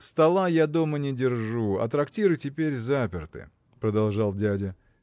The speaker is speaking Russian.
– Стола я дома не держу, а трактиры теперь заперты, – продолжал дядя.